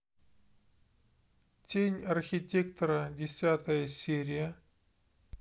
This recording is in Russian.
тень архитектора десятая серия